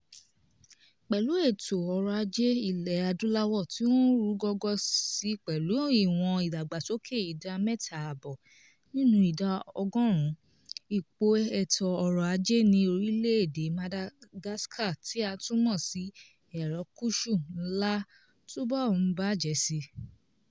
Pẹ̀lú ètò ọ̀rọ̀ ajé Ilẹ̀ Adúláwò tí ó ń rú gọ́gọ́ si pẹ̀lú ìwọ̀n ìdàgbàsókè ìdá 3.8 nínú ìdá ọgọ́rùn-ún, ipò ètò ọ̀rọ̀ ajé ní orílẹ̀ èdè Madagascar, tí a tun mọ̀ sí Erékùṣù Ńlá, túbọ̀ ń bàjẹ́ si.